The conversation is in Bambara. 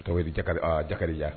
Dɔwri ja ye